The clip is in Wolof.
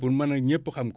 pour mën a ñépp xam ko